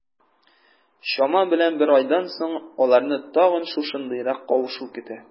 Чама белән бер айдан соң, аларны тагын шушындыйрак кавышу көтә.